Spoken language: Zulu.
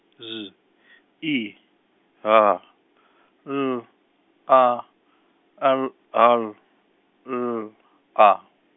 Z I H L A L L A.